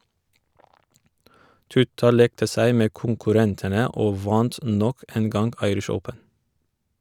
Tutta lekte seg med konkurrentene og vant nok en gang Irish Open.